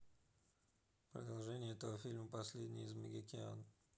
продолжение этого фильма последний из магикян